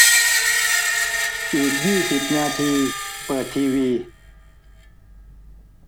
อีกยี่สิบนาทีเปิดทีวี